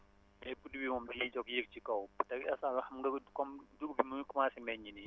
mais guddi bi moom da lay jóg yéeg ci kaw léegi instant bi xam nga comme dugub mu ngi commencé meññ nii